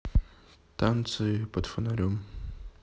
танцы под фонарем